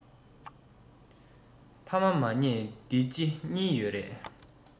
ཕ མ མ མཉེས འདི ཕྱི གཉིས ཡོད རེད